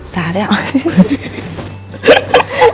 già thế ạ